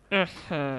Unhun